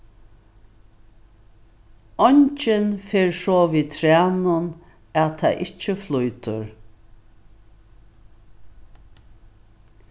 eingin fer so við trænum at tað ikki flýtur